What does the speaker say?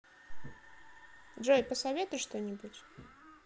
джой посоветуй что нибудь